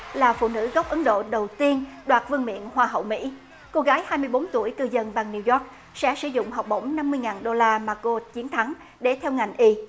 là phụ nữ gốc ấn độ đầu tiên đoạt vương miện hoa hậu mỹ cô gái hai mươi bốn tuổi cư dân bằng niu doóc sẽ sử dụng học bổng năm mươi ngàn đô la mặc dù chiến thắng để theo ngành y